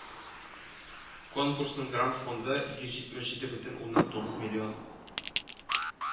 Конкурсның грант фонды йөз җитмеш җиде бөтен уннан тугыз миллион